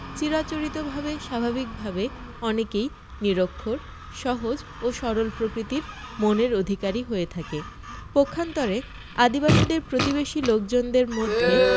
চিরাচরিতভাবে স্বাভাবিকভাবে অনেকেই নিরক্ষর সহজ ও সরল প্রকৃতির মনের অধিকারী হয়ে থাকে পক্ষান্তরে আদিবাসীদের প্রতিবেশী লোকজনদের মধ্যে